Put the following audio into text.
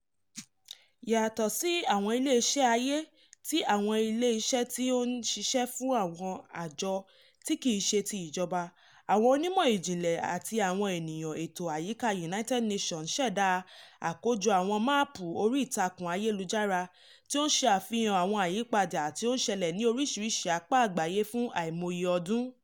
Yàtọ̀ sí àwọn ilé iṣẹ́ ààyè àti àwọn ilé iṣẹ́ tí ó ń ṣiṣẹ́ fún àwọn àjọ tí kìí ṣe ti ìjọba, àwọn onímọ̀ ìjìnlẹ̀ àti àwọn ènìyàn, ètò àyíká United Nations ṣẹ̀dá àkójọ àwọn máàpù orí ìtàkùn ayélujára tí ó ń ṣe àfihàn àwọn àyípadà tí ó ń ṣẹlẹ̀ ní oríṣiríṣi apá àgbáyé fún àìmọye ọdún.